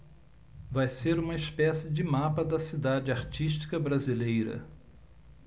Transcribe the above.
vai ser uma espécie de mapa da cidade artística brasileira